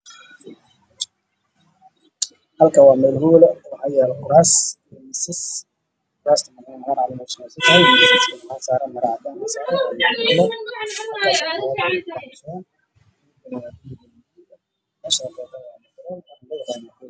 Meeshan waa meel qolo ah waxaana yaallo kuraas fara badan kor waxaa ka daaran iftiin daawi ah darbigaladkiisuna waa dahabi